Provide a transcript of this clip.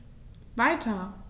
Weiter.